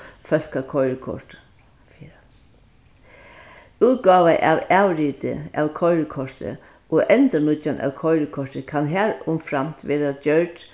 útgáva av avriti av koyrikorti og endurnýggjan av koyrikorti kann harumframt verða gjørd